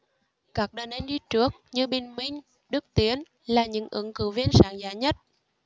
các đàn anh đi trước như bình minh đức tiến là những ứng cử viên sang giá nhất